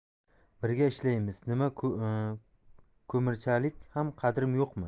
birga ishlaymiz nima ko'mirchalik ham qadrim yo'qmi